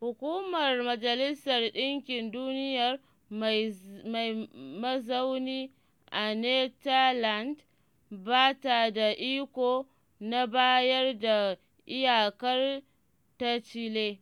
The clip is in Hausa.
Hukumar Majalisar Ɗinkin Duniyar mai mazauni a Netherlands ba ta da iko na bayar da iyakar ta Chile,